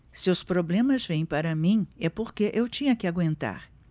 se os problemas vêm para mim é porque eu tinha que aguentar